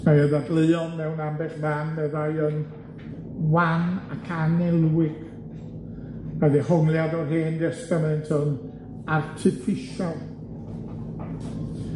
Mae ei ddadleuon mewn ambell man, y ddau yn wan ac anelwig a ddehongliad o'r Hen Destament yn artiffisial.